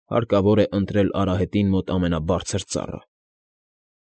Հարկավոր է ընտրել արահետին մոտ ամենաբարձր ծառը։